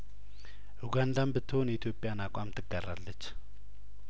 ኡጋንዳም ብትሆን የኢትዮጵያን አቋም ትጋራለች